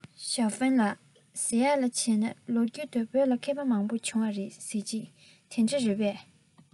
ཞའོ ཧྥུང ལགས ཟེར ཡས ལ བྱས ན ལོ རྒྱུས ཐོག བོད ལ མཁས པ མང པོ བྱུང བ རེད ཟེར གྱིས དེ འདྲ རེད པས